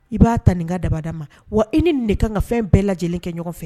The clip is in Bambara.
I b'a ta nin n ka dabada ma wa i ni de ka ka fɛn bɛɛ lajɛlen kɛ ɲɔgɔn fɛ